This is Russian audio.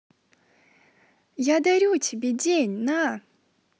я дарю тебе день на